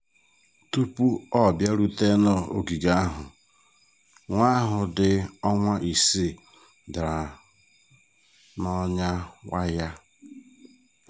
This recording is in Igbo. Tụpụ ọ bịarute n'ogige ahụ, nwa ahụ dị ọnwa isii dara n'ọnyà waya.